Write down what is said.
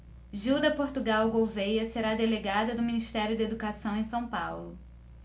gilda portugal gouvêa será delegada do ministério da educação em são paulo